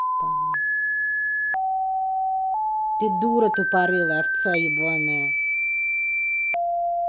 ты дура тупорылая овца ебаная